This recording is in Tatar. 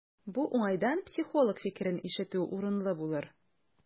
Бу уңайдан психолог фикерен ишетү урынлы булыр.